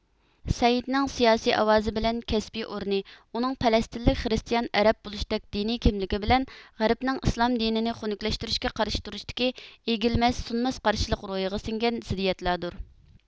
سەئىدنىڭ سىياسىي ئاۋازى بىلەن كەسپىي ئورنى ئۇنىڭ پەلەسىتىنلىك خرىستىيان ئەرەب بولۇشتەك دىنىي كىملىكى بىلەن غەربنىڭ ئىسلام دىنىنى خۇنۇكلەشتۈرۈشكە قارشى تۇرۇشتىكى ئېگىلمەس سۇنماس قارشىلىق روھىغا سىڭگەن زىددىيەتلەردۇر